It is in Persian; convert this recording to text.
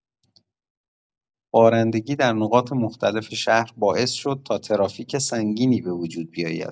بارندگی در نقاط مختلف شهر باعث شد تا ترافیک سنگینی به وجود بیاید.